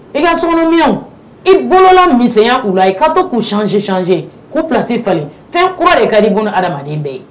I ka sokɔnɔ minɛnw i bolola misɛnya u la i kato k'u changer changer k'u place falen fɛn kura de kadi buna adamaden bɛɛ ye